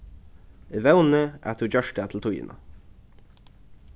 eg vóni at tú gjørt tað til tíðina